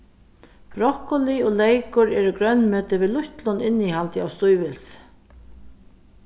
brokkoli og leykur eru grønmeti við lítlum innihaldi av stívilsi